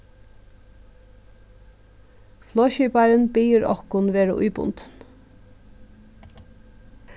flogskiparin biður okkum verða íbundin